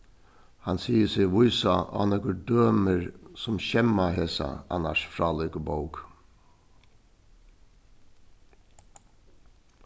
hann sigur seg vísa á nøkur dømir sum skemma hesa annars frálíku bók